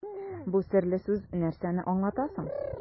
Бу серле сүз нәрсәне аңлата соң?